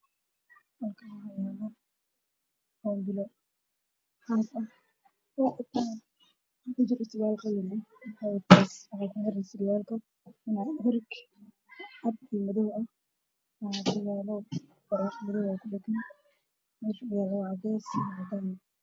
Waxaa ku jira surwaal midabkiisa ay cadays oo xarig ay leh darbigu caddaa